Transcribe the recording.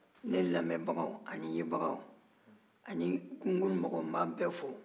ne lamɛnbagaw ani n filɛbagaw n b'aw bɛɛ fo